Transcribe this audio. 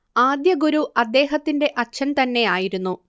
ആദ്യ ഗുരു അദ്ദേഹത്തിന്റെ അച്ഛൻ തന്നെയായിരുന്നു